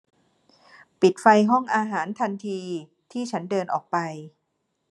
ปิดไฟห้องอาหารทันทีที่ฉันเดินออกไป